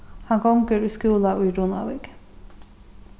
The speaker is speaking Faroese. hann gongur í skúla í runavík